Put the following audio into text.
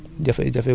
matière organique